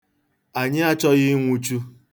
Anyị achọghị ịnwụchu.